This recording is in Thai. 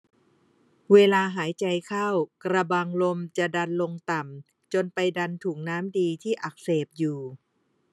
เวลาหายใจเข้ากะบังลมจะดันลงต่ำจนไปดันถุงน้ำดีที่อักเสบอยู่